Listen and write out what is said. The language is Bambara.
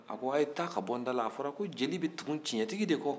a ko a' ye taa ka bɔ n dala a fɔra ko jeli bɛ tugu tiɲɛtigi de kɔ